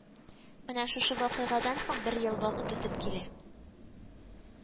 Менә шушы вакыйгадан соң бер ел вакыт үтеп килә